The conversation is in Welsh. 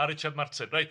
A Richard Martin, reit.